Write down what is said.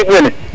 a gariid mene